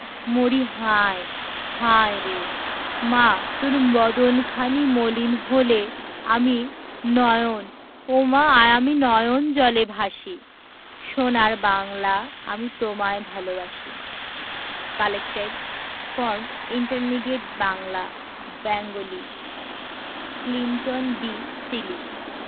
মরিহায় হায়রে মা তোর বদন খানি মলিন হলে আমি নয়ন ওমা আমি নয়ন জলে ভাসি সোনার বাংলা আমি তোমায় ভালবাসি collected from intermediate Bangla Bengali Clinton B Seely